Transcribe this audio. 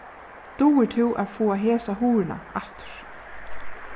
dugir tú at fáa hesa hurðina aftur